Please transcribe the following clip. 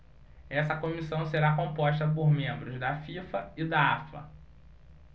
essa comissão será composta por membros da fifa e da afa